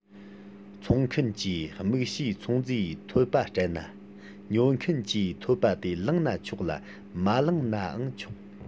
འཚོང མཁན གྱིས དམིགས བྱའི དངོས རྫས འཐོལ པ སྤྲད ན ཉོ མཁན གྱིས འཐོལ པ དེ བླངས ན ཆོག ལ མ བླངས ནའང ཆོག